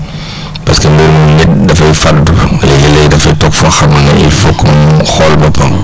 parce que mbir moom nit dafay faddu léeg-léeg dafay toog foo xam ne il faut que mu xool boppam